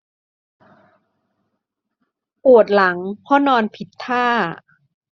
ปวดหลังเพราะนอนผิดท่า